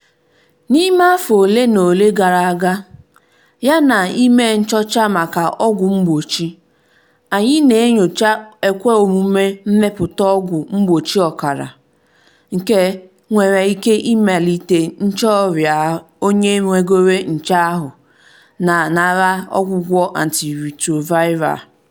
PG: N'ime afọ ole na ole gara aga, yana ime nchọcha maka ọgwụ mgbochi, anyị na-enyocha ekweomume mmepụta ọgwụ mgbochi ọkara, nke nwere ike imelite ncheọria onye nwegoro nje ahụ na-anara ọgwụgwọ antiretroviral.